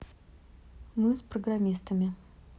мы с программистами